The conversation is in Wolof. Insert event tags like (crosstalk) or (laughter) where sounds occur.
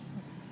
(hesitation) (hesitation)